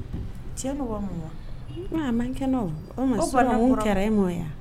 Cɛ bɛ bɔ mun na? Ɔ a man kɛnɛ wo,o bana bɔ la min? O tuma min kɛra surɔ e m'o ye wa,